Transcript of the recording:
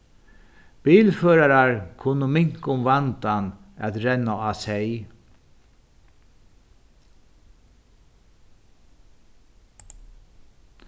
bilførarar kunnu minka um vandan at renna á seyð